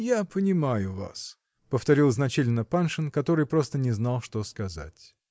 -- Я понимаю вас, -- повторил значительно Паншин, который просто не знал, что сказать.